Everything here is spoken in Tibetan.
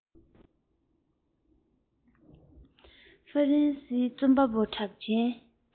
ཧྥ རན སིའི རྩོམ པ པོ གྲགས ཅན